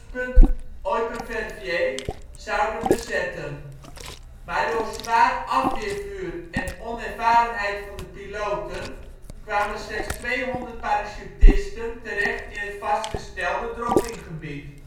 het kruispunt Eupen-Verviers zouden bezetten, maar door zwaar afweervuur en onervarenheid van de piloten kwamen slechts tweehonderd parachutisten terecht in het vastgestelde droppinggebied